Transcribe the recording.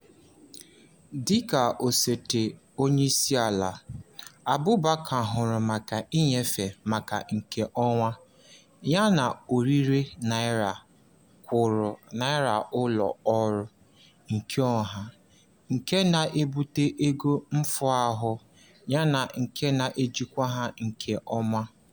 Dị ka osote onyeisiala, Abubakar hụrụ maka inyefe maka nkeonwe yana orire narị kwụrụ narị ụlọ ọrụ keọha nke na-ebute ego mfunahụ ya na nke a na-ejikwaghị nke ọma.